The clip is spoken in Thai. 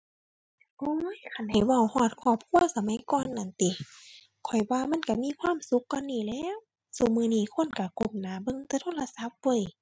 โอ้ย คันให้เว้าฮอดครอบครัวสมัยก่อนนั้นติ ข้อยว่ามันก็มีความสุขกว่านี้แหล้ว ซุมื้อนี้คนก็ก้มหน้าเบิ่งแต่โทรศัพท์เว้ย